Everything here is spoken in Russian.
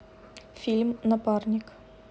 фильм напарник